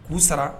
K'u sara